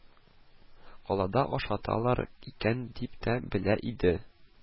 Калада ашаталар икән дип тә белә иде